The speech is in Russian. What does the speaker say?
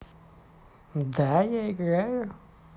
да я играю